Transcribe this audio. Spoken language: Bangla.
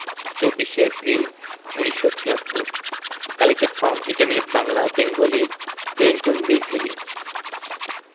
২৪শে April ১৯৭৬ collected from intermediate Bangla Bengali Clinton B Seely